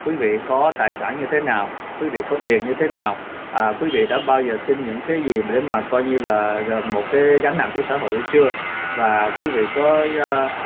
quý vị có tài sản như thế nào quý vị có tiền như thế nào à quý vị đã bao giờ xin những cái gì để mà coi như là gồm một cái gánh nặng của xã hội hay chưa và quý vị có a